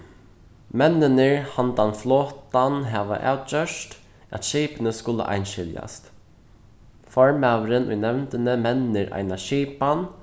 menninir handan flotan hava avgjørt at skipini skulu einskiljast formaðurin í nevndini mennir eina skipan